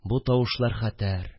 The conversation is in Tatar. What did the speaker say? Бу тавышлар хәтәр